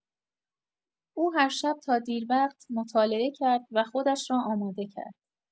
او هر شب تا دیر وقت مطالعه کرد و خودش را آماده کرد.